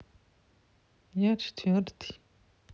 я четвертый